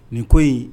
Nin ko in